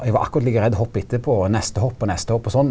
og eg var akkurat like redd hoppet etterpå og neste hopp og neste hopp og sånn.